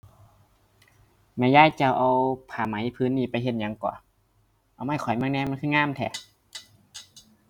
แม่ยาย เจ้าเอาผ้าไหมผืนนี้ไปเฮ็ดหยังเกาะ เอามาให้ข้อยเบิ่งแหน่ มันคืองามแท้